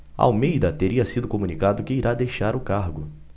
almeida teria sido comunicado que irá deixar o cargo